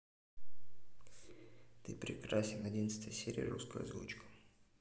ты прекрасен одиннадцатая серия русская озвучка